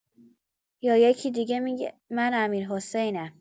یا یکی دیگه می‌گه من امیرحسینم.